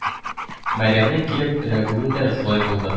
Мәрьямнең килеп эләгүе дә шулай булды